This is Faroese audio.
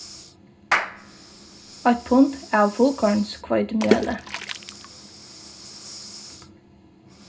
eitt pund av fullkornshveitimjøli